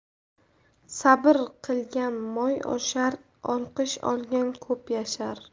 sabr qilgan moy oshar olqish olgan ko'p yashar